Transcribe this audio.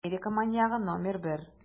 Америка маньягы № 1